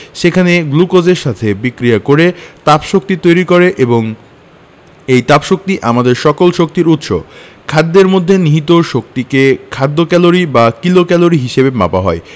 সেখানে গ্লুকোজের সাথে বিক্রিয়া করে তাপশক্তি তৈরি করে এবং এই তাপশক্তি আমাদের সকল শক্তির উৎস খাদ্যের মধ্যে নিহিত শক্তিকে খাদ্য ক্যালরি বা কিলোক্যালরি হিসেবে মাপা হয়